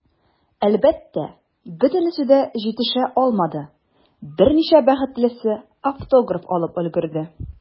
Әлбәттә, бөтенесе дә җитешә алмады, берничә бәхетлесе автограф алып өлгерде.